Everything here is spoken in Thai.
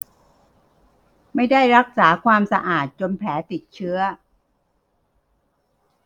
ไม่ได้รักษาความสะอาดจนแผลติดเชื้อ